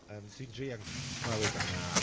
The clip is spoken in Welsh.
Yym, dwi’n druan yym clywed am 'na.